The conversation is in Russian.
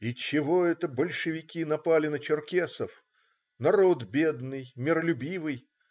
"И чего это большевики напали на черкесов? Народ бедный, миролюбивый.